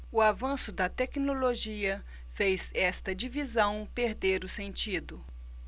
o avanço da tecnologia fez esta divisão perder o sentido